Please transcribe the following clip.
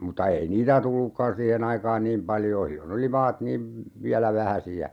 mutta ei niitä tullutkaan siihen aikaan niin paljoa silloin oli maat niin vielä vähäisiä